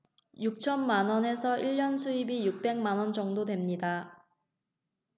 육 천만 원 해서 일 년 수입이 육 백만 원 정도 됩니다